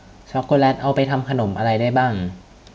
ช็อกโกแลตเอาไปทำขนมอะไรได้บ้าง